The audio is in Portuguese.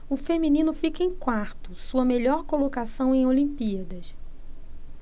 o feminino fica em quarto sua melhor colocação em olimpíadas